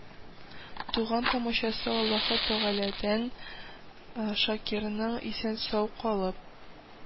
Туган-тумачасы Аллаһы Тәгаләдән Шакирның исән-сау калып,